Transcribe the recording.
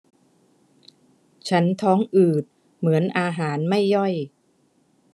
ฉันท้องอืดเหมือนอาหารไม่ย่อย